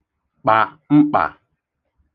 kpà mkpà